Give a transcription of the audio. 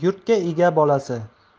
yurtga ega bolasi